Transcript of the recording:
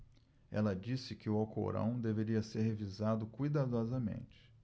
ela disse que o alcorão deveria ser revisado cuidadosamente